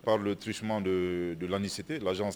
K'a tiurusi sumaman don donlansete la